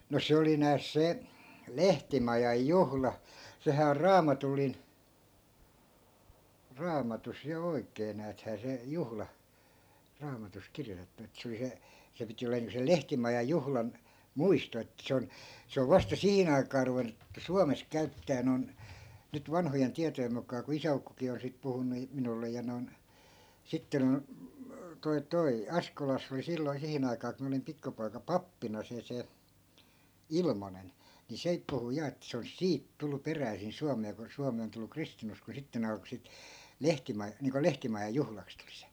no se oli nääs se lehtimajan juhla sehän on raamatullinen raamatussa ja oikein näethän se juhla raamatussa kirjoitettu että se oli se se piti olemaan niin kuin sen lehtimajan juhlan muisto että se on se on vasta siihen aikaan ruvennut Suomessa käyttämään noin nyt vanhojen tietojen mukaan kun isäukkokin on sitten puhunut minulle ja noin sitten tuo tuo Askolassa oli silloin siihen aikaan kun minä olin pikkupoika pappina se se Ilmonen niin sekin puhui ja että se olisi siitä tullut peräisin Suomeen kun Suomi on tullut kristinuskoon sitten ne alkoi sitten - niin kuin lehtimajan juhlaksi tulla se